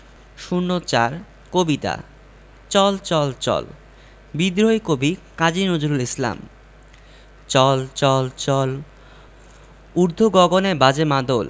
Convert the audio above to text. ০৪ কবিতা চল চল চল বিদ্রোহী কবি কাজী নজরুল ইসলাম চল চল চল ঊর্ধ্ব গগনে বাজে মাদল